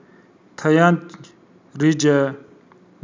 tayanch reja